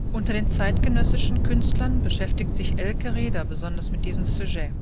Unter den zeitgenössischen Künstlern beschäftigt sich Elke Rehder besonders mit diesem Sujet